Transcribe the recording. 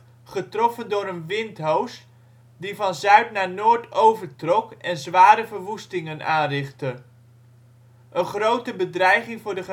getroffen door een windhoos, die van zuid naar noord overtrok en zware verwoestingen aanrichtte. Een grote bedreiging voor de